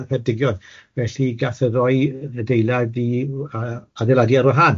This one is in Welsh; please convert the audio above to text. yng Nghaerdigion, felly ga'th y ddou adeilad i'w- yy adeiladu ar wahân.